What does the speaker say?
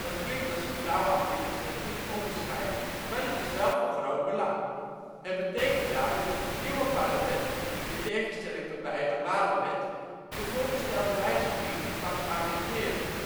Dat klinkt als een flauw, administratief onderscheid maar het is wel van groot belang; het betekent namelijk dat het nieuwe parlement (in tegenstelling tot bij een normale wet) de voorgestelde wijziging niet mag amenderen